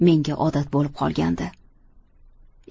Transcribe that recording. menga odat bo'lib qolgandi